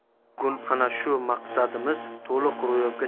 bugun ana shu maqsadimiz to'liq ro'yobga